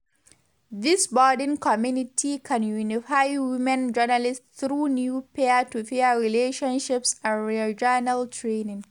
This budding community can unify women journalists through new peer-to-peer relationships and regional training.